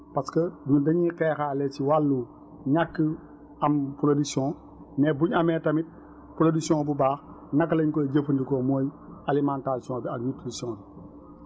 parce que ñun dañuy xeexaale si wàllu ñàkk am production mais buñ amee tamit production bu baax naka lañ koy jëfanfikoo mooy alimentation bi ak nutrition bi